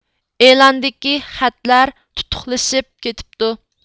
ئېلاندىكى خەتلەر تۇتۇقلىشىپ كېتىپتۇ